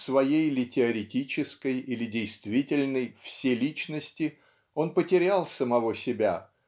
в своей ли теоретической или действительной вселичности он потерял самого себя